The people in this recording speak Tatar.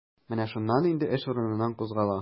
Менә шуннан инде эш урыныннан кузгала.